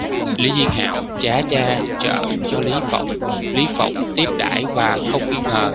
lý diên hạo trá cha trợ cho lý phỏng lý phỏng tiếp đãi và không nghi ngờ